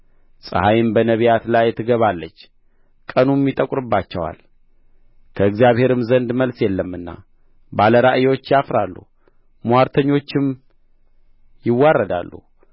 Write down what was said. ፀሐይም በነቢያት ላይ ትገባለች ቀኑም ይጠቁርባቸዋል ከእግዚአብሔርም ዘንድ መልስ የለምና ባለ ራእዩቹ ያፍራሉ ምዋርተኞችም ይዋረዳሉ